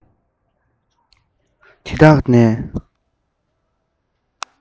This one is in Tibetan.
དེ དག ནས